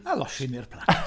A losin i'r plant .